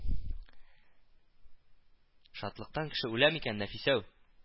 Шатлыктан кеше үлә микән, Нәфисәү